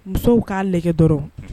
Musow k'a nɛgɛ dɔrɔn